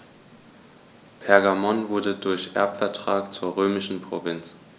Pergamon wurde durch Erbvertrag zur römischen Provinz.